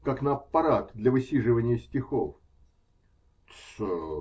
как на аппарат для высиживания стихов. -- Тсс.